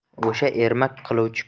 o'sha ermak qiluvchi